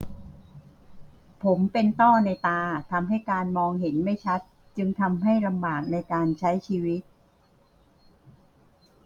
ผมเป็นต้อในตาทำให้การมองเห็นไม่ชัดจึงทำให้ลำบากในการใช้ชีวิต